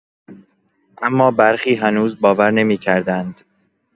اما برخی هنوز باور نمی‌کردند.